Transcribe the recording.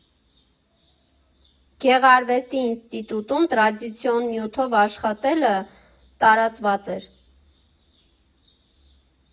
Գեղարվեստի ինստիտուտում տրադիցիոն նյութով աշխատելը տարածված էր։